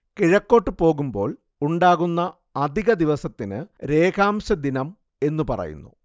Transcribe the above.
കിഴക്കോട്ടു പോകുമ്പോൾ ഉണ്ടാകുന്ന അധികദിവസത്തിന് രേഖാംശദിനം എന്നു പറയുന്നു